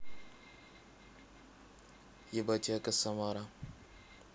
еботека самара